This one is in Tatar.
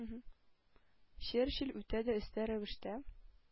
Черчилль үтә дә оста рәвештә